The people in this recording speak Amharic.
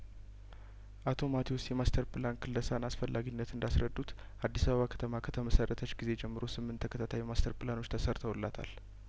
አቶ ማቴዎስ የማስተር ፕላን ክለሳን አስፈላጊነት እንዳስረዱት አዲስ አበባ ከተማ ከተመሰረተች ጊዜ ጀምሮ ስምንት ተከታታይ ማስተር ፕላኖች ተሰርተውላታል